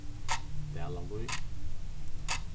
dalalíð